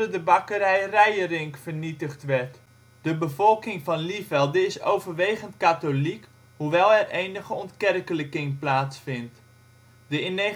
de bakkerij Reijerink vernietigd werd. De bevolking van Lievelde is overwegend katholiek, hoewel ook hier ontkerkelijking plaatsvindt. De in 1954